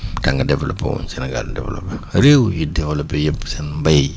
tant que développé wuñ Sénégal du développé réew yi développé yëpp seen mbéy